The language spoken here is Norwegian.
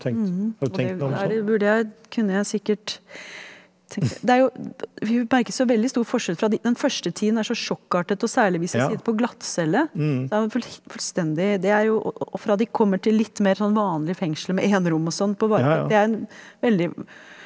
og det er burde jeg kunne jeg sikkert det er jo vi merker så veldig stor forskjell fra de den første tiden er så sjokkartet og særlig hvis de sitter på glattcelle så er man fullstendig det er jo og fra de kommer til litt mer sånn vanlig fengsel med enerom og sånn på varetekt det er en veldig.